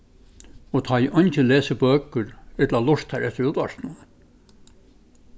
og tá ið eingin lesur bøkur ella lurtar eftir útvarpinum